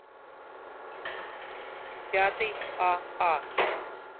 пятый а а